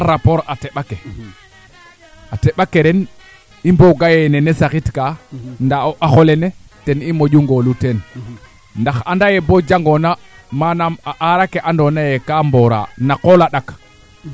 mbunduma foor te maaf kin kam xambaxaya ndoong faa kama muka ndooranga xambaxay faa a reta bo sax o ndeetlu wa ngaan Djiby a refa nga kaaf kene i nduufa